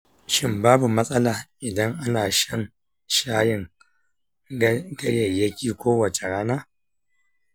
shin babu matsala idan ana shan shayin ganyayyaki kowace rana?